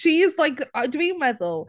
She is, like, a dwi'n meddwl...